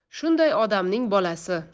shunday odamning bolasi